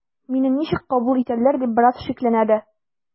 “мине ничек кабул итәрләр” дип бераз шикләнә дә.